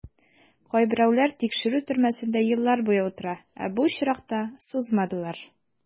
Кайберәүләр тикшерү төрмәсендә еллар буе утыра, ә бу очракта сузмадылар.